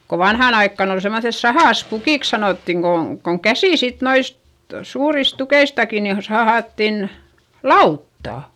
kun vanhaan aikaan oli semmoiset sahaspukiksi sanottiin kun kun käsin sitten noista suurista tukeistakin niin - sahattiin lautaa